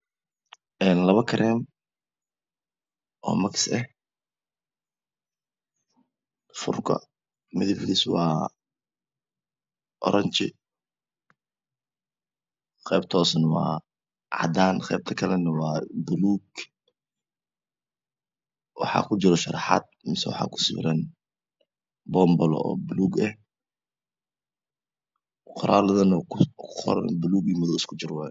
Labo karen o macsi eh furka midibkiisa waa oranji qebta hose waa cadan qebta kle wa cadan waxa ku jiro sharaqad waxa kusabiran bonbolo bulug eh qoralada ku jira waa bulog iyo gudud isku jira